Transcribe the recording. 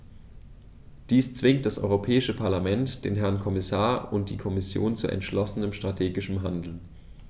Dies zwingt das Europäische Parlament, den Herrn Kommissar und die Kommission zu entschlossenem strategischen Handeln.